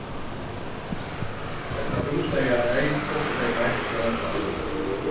vegna bústaðarneyð fluttu tey heim til foreldur hansara